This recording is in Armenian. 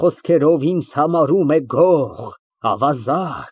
Խոսքերով, ինձ համարում է գող, ավազակ։